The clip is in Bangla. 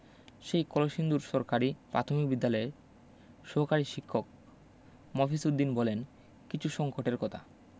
সেই কলসিন্দুর সরকারি পাথমিক বিদ্যালয়ে সহকারী শিক্ষক মফিজ উদ্দিন বললেন কিছু সংকটের কথা